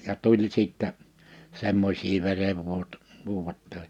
ja tuli sitten semmoisia --